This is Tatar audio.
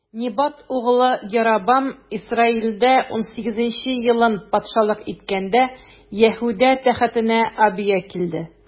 Небат углы Яробам Исраилдә унсигезенче елын патшалык иткәндә, Яһүдә тәхетенә Абия килде.